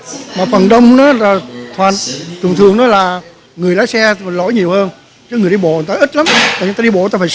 phần đông là toàn thường thường là người lái xe lỗi nhiều hơn chứ người đi bộ người ta ít lắm tại người ta đi bộ phải